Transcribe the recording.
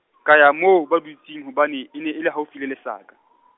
ka ya moo ba dutseng, hobane e ne e le haufi le lesaka.